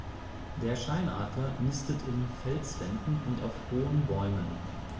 Der Steinadler nistet in Felswänden und auf hohen Bäumen.